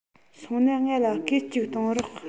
སོང ན ང ལ སྐད ཅིག གཏོང རོགས